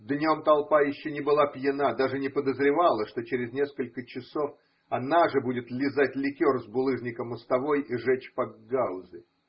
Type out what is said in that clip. Днем толпа еще не была пьяна, даже не подозревала, что через несколько часов она же будет лизать ликер с булыжника мостовой и жечь пакгаузы.